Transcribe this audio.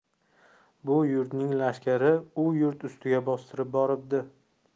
bu yurtning lashkari u yurt ustiga bostirib boribdi